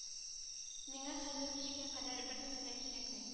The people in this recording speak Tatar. Миңа хәзер кичкә кадәр бернәрсә дә кирәкми